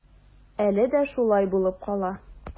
Әле дә шулай булып кала.